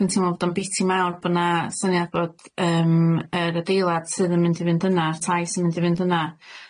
Dwi'n teimlo bod o'n biti mawr bo'na syniad bod yym yr adeilad sydd yn mynd i fynd yna a'r tai sy'n mynd i fynd yna,